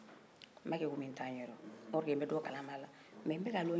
or que n bɛ dɔ kalama a la mɛ n bɛ k'a laɲinin ka dɔ fara n ka dɔnni kan de